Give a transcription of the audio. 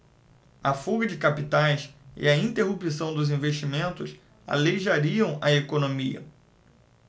a fuga de capitais e a interrupção dos investimentos aleijariam a economia